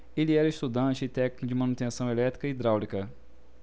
ele era estudante e técnico de manutenção elétrica e hidráulica